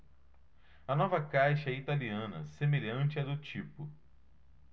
a nova caixa é italiana semelhante à do tipo